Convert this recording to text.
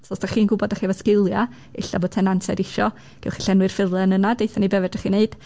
So os dych chi'n gwybod dych chi efo sgiliau ella bo' tenantiaid isio gewch chi llenwi'r ffurflen yna, deuthon ni be' fedrwch chi wneud.